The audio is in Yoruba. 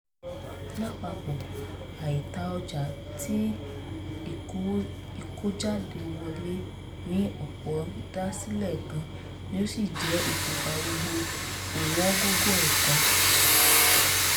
Lápapọ̀, àìtà ọjà tí ìkọ́jàwọlé ní ọ̀pọ̀ ń dá sílẹ̀ gan ni ó sì jẹ́ okùnfà gbogbo ọ̀wọ́ngógó nǹkan.